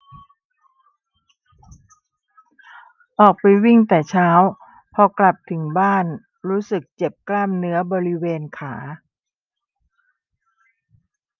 ออกไปวิ่งแต่เช้าพอกลับถึงบ้านรู้สึกเจ็บกล้ามเนื้อบริเวณขา